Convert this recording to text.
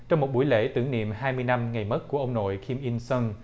trong một buổi lễ tưởng niệm hai mươi năm ngày mất của ông nội kim in sâng